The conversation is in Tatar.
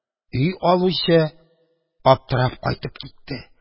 Өй алучы аптырап кайтып китте.